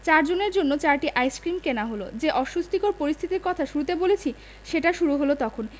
চারজনের জন্যে চারটি কাঠি আইসক্রিম কেনা হল যে অস্বস্তিকর পরিস্থিতির কথা শুরুতে বলেছি সেটা শুরু হল তখন